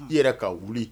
Un. I yɛrɛ ka wuli